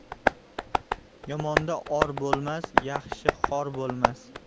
yomonda or bo'lmas yaxshi xor bo'lmas